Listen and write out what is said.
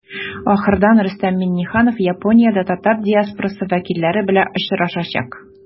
Ахырдан Рөстәм Миңнеханов Япониядә татар диаспорасы вәкилләре белән очрашачак.